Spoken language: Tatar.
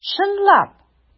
Чынлап!